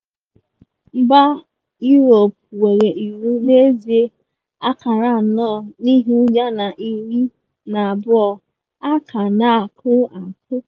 Mba Europe nwere uru, n’ezie, akara anọ n’ihu yana iri na abụọ a ka na-akụ akụ.